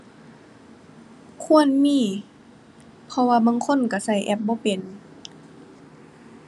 ควรมี เพราะว่าบางคนก็ก็แอปบ่เป็น